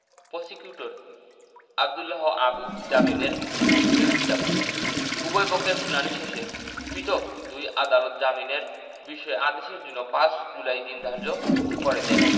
prosecutor Abdullah Abu জামিনের বিরোধিতা করেন উভয়পক্ষের শুনানি শেষে পৃথক দুই আদালত জামিনের বিষয়ে আদেশের জন্য ৫ জুলাই দিন ধার্য করে দেন